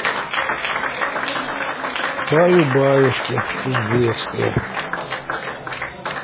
баю баюшки узбекская